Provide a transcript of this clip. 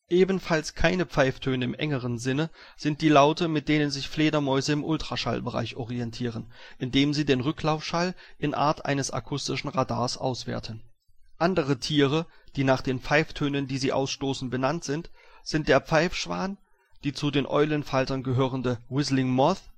Ebenfalls keine Pfeiftöne im engeren Sinne sind die Laute, mit denen sich Fledermäuse im Ultraschallbereich orientieren, indem sie den Rücklaufschall in Art eines akustischen Radars auswerten. Andere Tiere, die nach den Pfeiftönen, die sie ausstoßen, benannt sind, sind der Pfeifschwan (Cygnus columbianus), die zu den Eulenfaltern gehörende „ Whistling Moth